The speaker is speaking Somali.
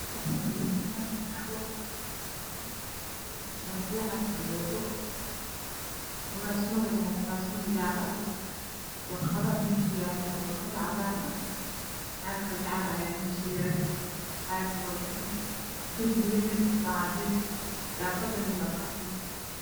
Waxaa jooga niman iyo naago shaatiyo cad wato kuraastana waa kuraas jalo ah waqdaha meesha yala waa warqado cadaana ah caag qajajaclo ayaa meesha yaalo cag waa paluug darpigana waa cadees daaqadana wa qaxwi